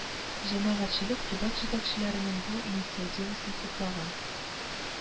Җәмәгатьчелек төбәк җитәкчеләренең бу инициативасын хуплаган